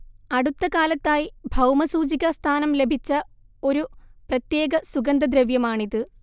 അടുത്തകാലത്തായി ഭൗമസൂചിക സ്ഥാനം ലഭിച്ച ഒരു പ്രത്യേക സുഗന്ധദ്രവ്യമാണിത്